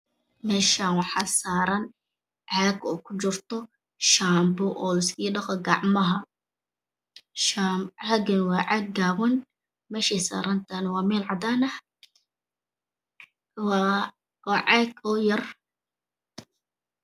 Meshan waza saran cag ay ku jurto shambo lai saga dhaqo gacmaha cagani wa cag gaban meshay saran tahyne wa mel cadan ah wa cag oo yar